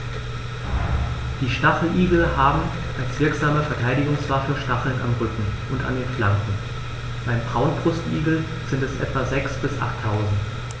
Die Stacheligel haben als wirksame Verteidigungswaffe Stacheln am Rücken und an den Flanken (beim Braunbrustigel sind es etwa sechs- bis achttausend).